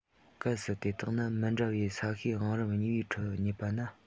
གལ སྲིད དེ དག ནི མི འདྲ བའི ས གཤིས བང རིམ གཉིས པའི ཁྲོད རྙེད པ ན